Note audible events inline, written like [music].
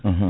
[hesitation] [hesitation]